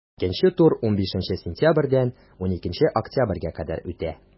Икенче тур 15 сентябрьдән 12 октябрьгә кадәр үтә.